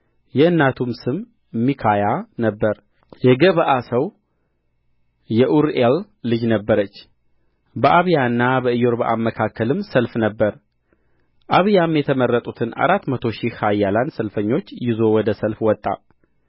የእናቱም ስም ሚካያ ነበረ የገብዓ ሰው የኡርኤል ልጅ ነበረች በአብያና በኢዮርብዓም መካከልም ሰልፍ ነበረ አብያም የተመረጡትን አራት መቶ ሺህ ኃያላን ሰልፈኞች ይዞ ወደ ሰልፍ ወጣ